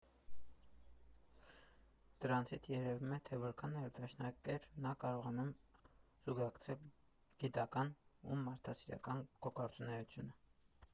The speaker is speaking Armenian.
Դրանցից երևում է, թե որքան ներդաշնակ էր նա կարողանում զուգակցել գիտական ու մարդասիրական գործունեությունը։